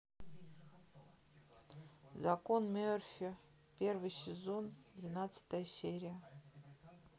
закон мерфи первый сезон двенадцатая серия